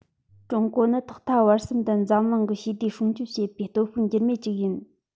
ཀྲུང གོ ནི ཐོག མཐའ བར གསུམ དུ འཛམ གླིང གི ཞི བདེ སྲུང སྐྱོང བྱེད པའི སྟོབས ཤུགས འགྱུར མེད ཅིག ཡིན